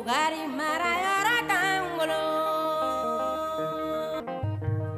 Wari mara yɔrɔ 'anw bolo